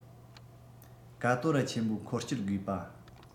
ཀ ཏོ ར ཆེན པོ འཁོ སྤྱོད དགོས པ